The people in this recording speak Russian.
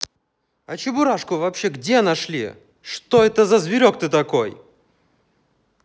а чебурашку вообще где нашли что это за зверек ты такой